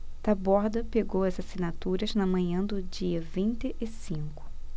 taborda pegou as assinaturas na manhã do dia vinte e cinco